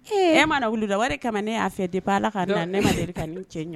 Ma wulida wɛrɛ kama ne'a fɛ de ala la ka ne ma deli ka cɛ ɲɛ